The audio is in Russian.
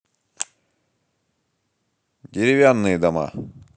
деревянные дома